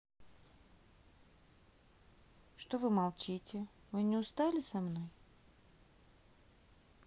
что вы молчите вы не устали со мной